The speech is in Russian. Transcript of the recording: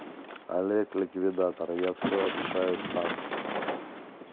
олег ликвидатор я все решаю сам